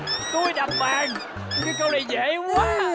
tui đập bàn tui nghe câu này dễ quá